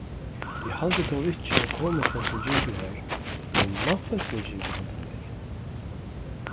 eg haldi tó ikki at konufólkini gingu har men mannfólkini gingu handan vegin